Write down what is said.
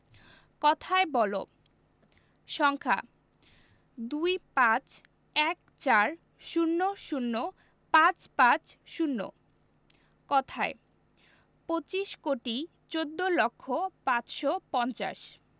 কথায় বলঃ সংখ্যাঃ ২৫ ১৪ ০০ ৫৫০ কথায়ঃ পঁচিশ কোটি চৌদ্দ লক্ষ পাঁচশো পঞ্চাশ